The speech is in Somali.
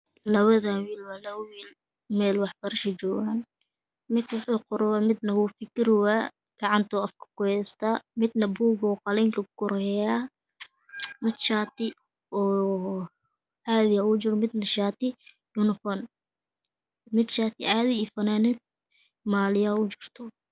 Labadaan wiil waa labo wiil meel waxbarsho joogaan mid waxoo qorowaa midka wuu fikirowaa gacantoo afka ku heystaa midna buuguu qallinka ku qoroyaa, mid shaati oo caadiya aa ugu jirto midna shaati yunufon. Mid shaati caadi iyo finaanad maaliyo ugu jurto